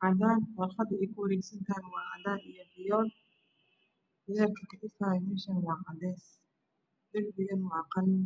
cadan warqadey ku wareegsantahy waa cadan iyo fiyool leerka ka ifayana waa cadees dirbigana waa qalin